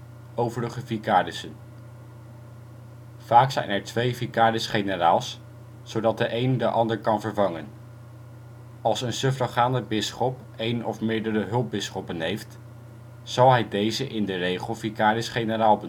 Vaak zijn er twee vicaris-generaals, zodat de een de ander kan vervangen. Als een suffragane bisschop één of meerdere hulpbisschoppen heeft, zal hij deze in de regel vicaris-generaal